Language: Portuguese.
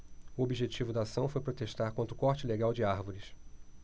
o objetivo da ação foi protestar contra o corte ilegal de árvores